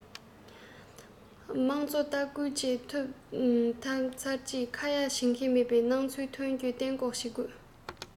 དམངས གཙོ ལྟ སྐུལ བཅས ཐུབ བདམས ཚར རྗེས ཁ ཡ བྱེད མཁན མེད པའི སྣང ཚུལ ཐོན རྒྱུ གཏན འགོག བྱེད དགོས